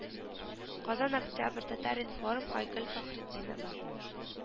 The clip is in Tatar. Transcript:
Казан октябрь татар-информ айгөл фәхретдинова